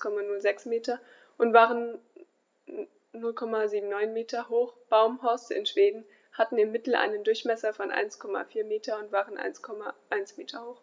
1,06 m und waren 0,79 m hoch, Baumhorste in Schweden hatten im Mittel einen Durchmesser von 1,4 m und waren 1,1 m hoch.